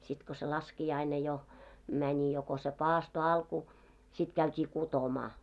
sitten kun se laskiainen jo meni jo kun se paaston alku sitten käytiin kutomaan